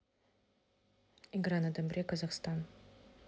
игра на домбре казахстан